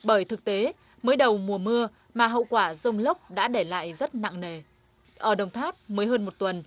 bởi thực tế mới đầu mùa mưa mà hậu quả giông lốc đã để lại rất nặng nề ở đồng tháp mới hơn một tuần